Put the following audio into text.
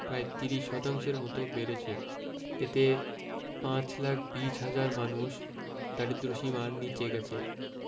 প্রায় ৩০ শতাংশের মতো বেড়েছে এতে ৫ লাখ ২০ হাজার মানুষ দারিদ্র্যসীমার নিচে গেছে